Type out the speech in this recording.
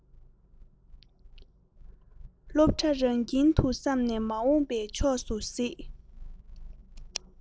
སློབ གྲྭ རང ཁྱིམ དུ བསམ ནས མ འོངས པའི ཕྱོགས སུ གཟིགས